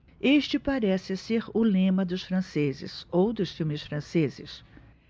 este parece ser o lema dos franceses ou dos filmes franceses